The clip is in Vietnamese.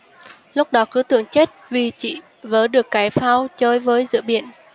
lúc đó cứ tưởng chết vì chỉ vớ được cái phao chơi vơi giữa biển